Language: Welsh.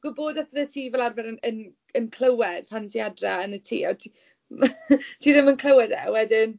Gwybodaeth fyddet ti fel arfer yn yn yn clywed pan ti adre yn y tŷ a ti m- ti ddim yn clywed e a wedyn...